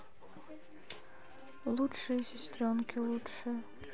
лучшие сестренки лучшие